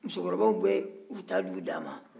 musokɔrɔbaw bɛ u ta dun u dan ma